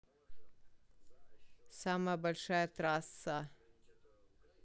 самая большая трасса